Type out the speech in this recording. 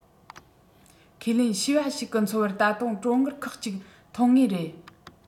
ཁས ལེན བྱིས པ ཞིག གི འཚོ བར ད དུང གྲོན དངུལ ཁག གཅིག འཐོན ངེས རེད